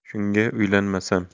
shunga uylanmasam